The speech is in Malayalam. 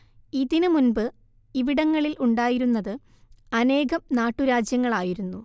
ഇതിന് മുൻപ് ഇവിടങ്ങളിൽ ഉണ്ടായിരുന്നത് അനേകം നാട്ടുരാജ്യങ്ങളായിരുന്നു